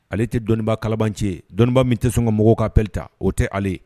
Ale tɛ dɔnniibaa kalabanci cɛ dɔnni min tɛ sɔn ka mɔgɔw ka pereyita o tɛ ale ye